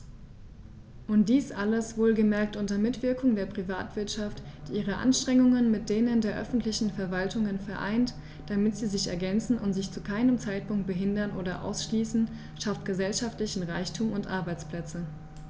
Und dies alles - wohlgemerkt unter Mitwirkung der Privatwirtschaft, die ihre Anstrengungen mit denen der öffentlichen Verwaltungen vereint, damit sie sich ergänzen und sich zu keinem Zeitpunkt behindern oder ausschließen schafft gesellschaftlichen Reichtum und Arbeitsplätze.